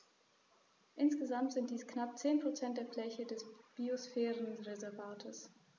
Insgesamt sind dies knapp 10 % der Fläche des Biosphärenreservates.